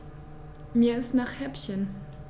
Mir ist nach Häppchen.